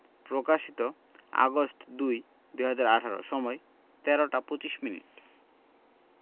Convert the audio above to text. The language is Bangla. প্রকাশিতঃ আগস্ট ০২ ২০১৮ সময়ঃ ১৩টা ২৫ মিনিট